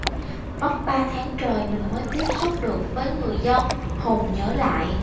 mất ba tháng trời mình mới tiếp xúc được với người dân hùng nhớ lại